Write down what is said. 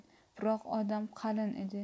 biroq odam qalin edi